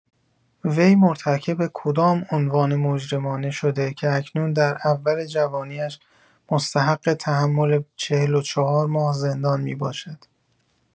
وی مرتکب کدام عنوان مجرمانه شده که اکنون در اول جوانی‌اش مستحق تحمل ۴۴ ماه زندان می‌باشد؟